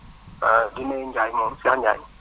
di nuyu Ndiaye moomu Cheikh Ndiaye